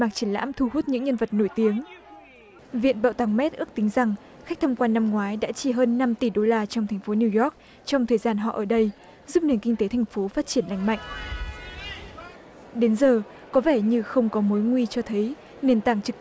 mạc triển lãm thu hút những nhân vật nổi tiếng viện bảo tàng mét ước tính rằng khách tham quan năm ngoái đã chi hơn năm tỷ đô la trong thành phố niu doóc trong thời gian họ ở đây giúp nền kinh tế thành phố phát triển lành mạnh đến giờ có vẻ như không có mối nguy cho thấy nền tảng trực